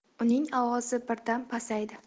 uning ovozi birdan pasaydi